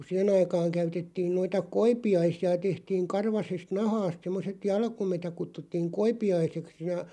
kun siihen aikaan käytettiin noita koipiaisia tehtiin karvaisesta nahasta semmoiset jalkuimet ja kutsuttiin koipiaiseksi ja